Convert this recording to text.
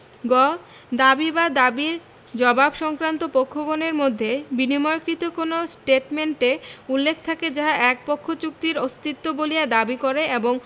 গ দাবী ও দাবীর জবাব সংক্রান্ত পক্ষগণের মধ্যে বিনিময়কৃত কোন ষ্টেটমেন্টে উল্লেখ থাকে যাহা এক পক্ষ চুক্তির অস্তিত্ব বলিয়া দাবী করে এবং